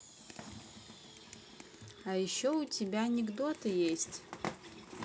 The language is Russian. а еще у тебя анекдоты есть